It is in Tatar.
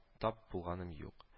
Тап булганым юк